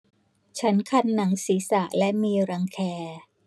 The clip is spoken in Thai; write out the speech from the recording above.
ฉันคันหนังศีรษะและมีรังแค